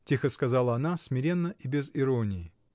— тихо сказала она, смиренно и без иронии.